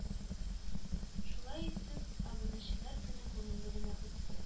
Шулай итеп, Әбүнәчеләр көне күңелле генә үтте